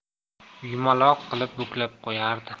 yumqloq qilib buklab qo'yardi